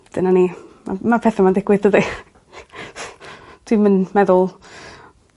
dyna ni. Ma' ma' petha 'ma'n digwydd dydi? Dwi'm yn meddwl